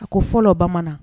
A ko fɔlɔ bamanan